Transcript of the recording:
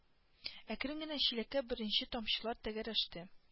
Әкрен генә чиләккә беренче тамчылар тәгәрәште